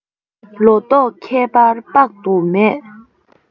ལོ ཏོག ཁྱད པར དཔག ཏུ མེད